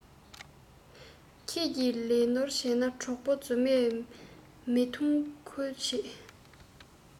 ཁྱེད ཀྱི ལས ནོར བྱས ནས གྲོགས པོ རྫུན མས མི མཐོང ཁུལ བྱེད